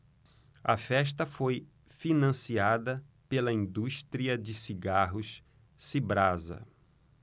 a festa foi financiada pela indústria de cigarros cibrasa